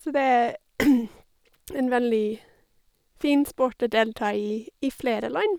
Så det er en veldig fin sport å delta i i flere land.